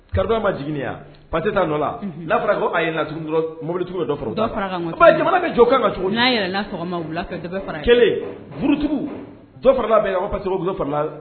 Kari ma jigin yan patɛ taa nɔ la n'a fɔra ko a ye mobili dɔ jamana ka jɔ ka cogocogo n'a yɛrɛ sɔgɔma kelen burutigiw dɔ farala aw farala